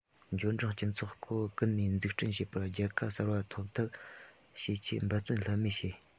འབྱོར འབྲིང སྤྱི ཚོགས སྒོ ཀུན ནས འཛུགས སྐྲུན བྱེད པར རྒྱལ ཁ གསར པ འཐོབ ཐབས བྱེད ཆེད འབད བརྩོན ལྷོད མེད བྱེད